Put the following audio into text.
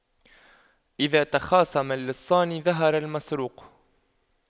إذا تخاصم اللصان ظهر المسروق